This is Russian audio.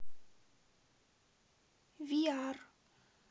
ви ар